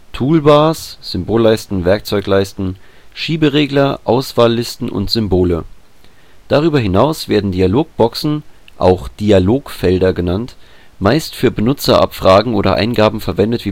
Toolbars (Symbolleisten, Werkzeugleisten), Schieberegler, Auswahllisten und Symbole. Darüber hinaus werden Dialogboxen (auch „ Dialogfelder “genannt) meist für Benutzerabfragen oder Eingaben verwendet